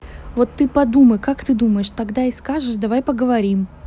вот ты подумай как ты думаешь тогда и скажешь давай поговорим